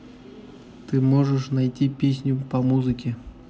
ты можешь найти песню по музыке